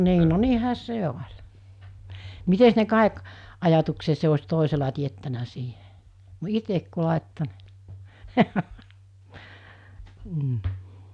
niin no niinhän se oli mitenkäs ne kaikki ajatuksensa olisi toisella teettänyt siihen itse kun laittoi niin mm